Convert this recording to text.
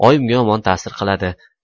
oyimga yomon ta'sir qiladi